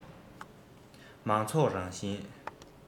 མང ཚོགས རང བཞིན